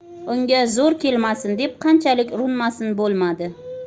unga zo'r kelmasin deb qanchalik urinmasin bo'lmadi